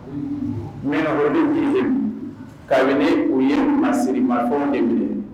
Minɛnkoro de bi ye kabini u ye masiri marifafɛnw de minɛ